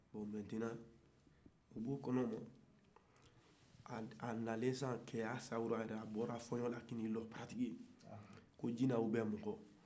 bɔn mɛtenan o b'o la a nana cɛya sawurala a bɔra fiɲɛ na ka n'i jɔ ko jinɛ ubiɲɛ mɔgɔ